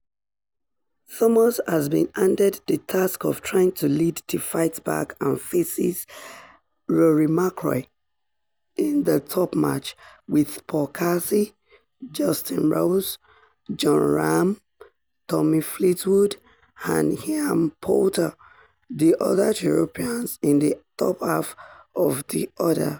Thomas has been handed the task of trying to lead the fightback and faces Rory McIlroy in the top match, with Paul Casey, Justin Rose, Jon Rahm, Tommy Fleetwood and Ian Poulter the other Europeans in the top half of the order.